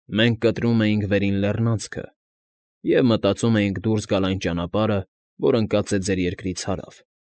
Մենք կտրում էինք Վերին Լեռնանցքը և մտածում էինք դուրս գալ այն ճանապարհը, որ ընկած է ձեր երկրից հարավ։